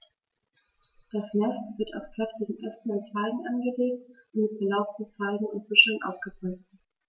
Das Nest wird aus kräftigen Ästen und Zweigen angelegt und mit belaubten Zweigen und Büscheln ausgepolstert.